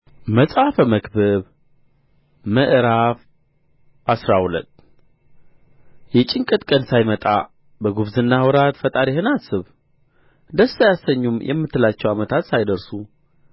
መጽሐፈ መክብብ ምዕራፍ አስራ ሁለት የጭንቀት ቀን ሳይመጣ በጕብዝናህ ወራት ፈጣሪህን አስብ ደስ አያሰኙም የምትላቸውም ዓመታት ሳይደርሱ